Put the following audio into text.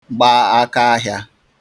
gba akaahị̄ā